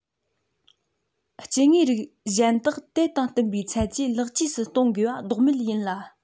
སྐྱེ དངོས རིགས གཞན དག དེ དང བསྟུན པའི ཚད ཀྱིས ལེགས བཅོས སུ གཏོང དགོས པ ལྡོག མེད ཡིན ལ